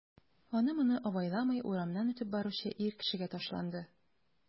Аны-моны абайламый урамнан үтеп баручы ир кешегә ташланды...